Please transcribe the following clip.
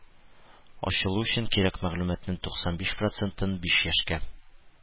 Ачылу өчен кирәк мәгълүматның туксан биш процентын биш яшькә